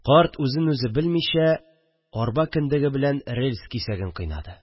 Карт үзен-үзе белмичә арба кендеге белән рельс кисәген кыйнады